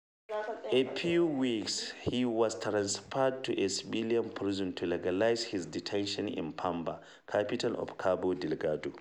After a few weeks, he was transferred to a civilian prison to legalize his detention in Pemba, capital of Cabo Delgado .